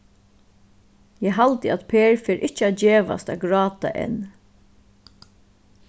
eg haldi at per fer ikki at gevast at gráta enn